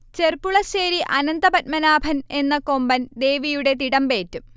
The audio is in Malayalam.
ചെർപ്പുളശ്ശേരി അനന്തപദ്മനാഭൻ എന്ന കൊമ്പൻ ദേവിയുടെ തിടമ്പേറ്റും